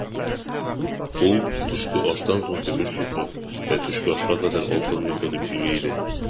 Ул, төшке аштан соң көмеш йокы, ә төшке ашка кадәр алтын йокы, дип сөйли иде.